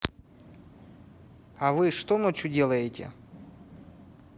а вы что ночью делаете